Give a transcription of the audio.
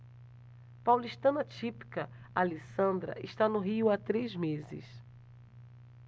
paulistana típica alessandra está no rio há três meses